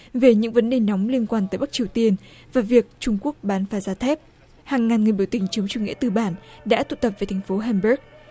về những vấn đề nóng liên quan tới bắc triều tiên về việc trung quốc bán phá giá thép hàng ngàn người biểu tình chống chủ nghĩa tư bản đã tụ tập về thành phố ham buốc